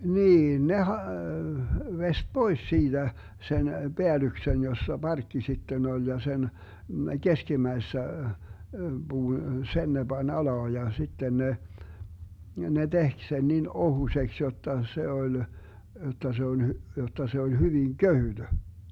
niin ne - veisti pois siitä sen päällyksen jossa parkki sitten oli ja sen keskimmäisessä - sen ne pani alas ja sitten ne ne teki sen niin ohuiseksi jotta se oli jotta se on jotta se oli hyvin kevyt